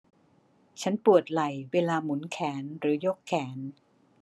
ฉันปวดไหล่เวลาหมุนแขนหรือยกแขน